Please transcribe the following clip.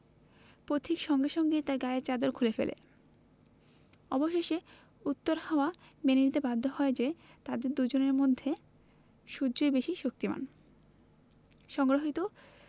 পথিক সঙ্গে সঙ্গে তার গায়ের চাদর খুলে ফেলে অবশেষে উত্তর হাওয়া মেনে নিতে বাধ্য হয় যে তাদের দুজনের মধ্যে সূর্যই বেশি শক্তিমান সংগৃহীত